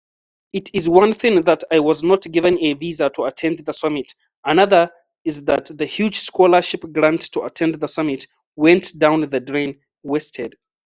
It is one thing that I was not given a visa to attend the summit, another is that the huge scholarship grant to attend the summit went down the drain, wasted.